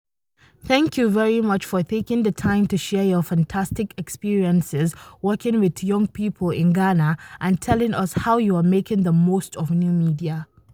Thank you very much for taking the time to share your fantastic experiences working with young people in Ghana and telling us how you are making the most of new media.